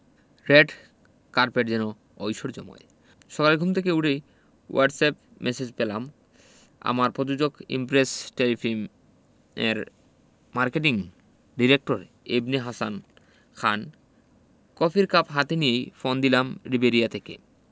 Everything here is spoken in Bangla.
রেড কার্পেট যেন ঐশ্বর্যময় সকালে ঘুম থেকে উঠেই হোয়াটসঅ্যাপ ম্যাসেজ পেলাম আমার পযোজক ইমপ্রেস টেলিফিল্মের মার্কেটিং ডিরেক্টর ইবনে হাসান খান কফির কাপ হাতে নিয়েই ফোন দিলাম রিভেরিয়া থেকে